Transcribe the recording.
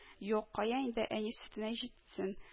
Юк, кая инде әни сөтенә җитсен